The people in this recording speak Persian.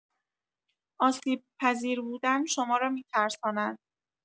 آسیب‌پذیر بودن، شما را می‌ترساند.